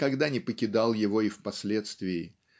никогда не покидал его и впоследствии.